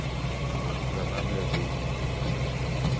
страна для жизни